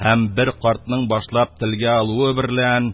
Һәм бер картның башлап телгә алуы берлән,